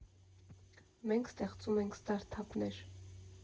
Մենք ստեղծում ենք ստարտափներ։